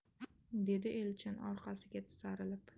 dedi elchin orqasiga tisarilib